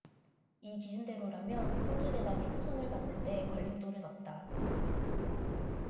이 기준대로라면 성주재단이 포상을 받는 데 걸림돌은 없다